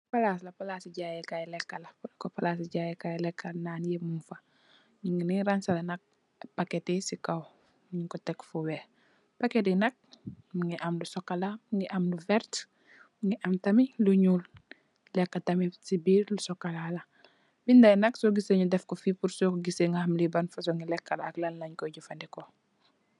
Plass la, plassi jaayeh kaii lehkah la , maneh kor plassi jaayeh kaii lehkah la ak nan yhep mung fa, njungy nii raanzaleh nak packeti cii kaw, njung kor tek fu wekh, packet yii nak mungy am lu chocolat, mungy am lu vert, mungy am tamit lu njull, lehkah tam cii birr lu chocolat la, binda yii nak sor giseh nju deff kor fii pur sorkor giseh nga ham lii ban fasoni lehkah la ak lan langh koi jeufandehkor.